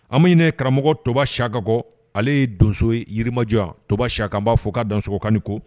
An ma ɲini karamɔgɔ toba sakakɔ ale ye donso yiriirimajɔ toba sa kan an b'a fɔ ka dansokan ko